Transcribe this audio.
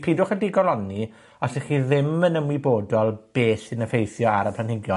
pidwch â digoloni os 'ych chi ddim yn ymwybodol beth sy'n effeithio ar y planhigion,